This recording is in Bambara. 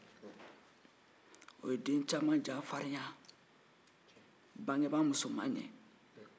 o ye den caman ja farinya bangebaga musoman ɲɛ